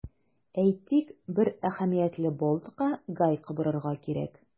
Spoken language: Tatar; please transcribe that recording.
Әйтик, бер әһәмиятле болтка гайка борырга кирәк.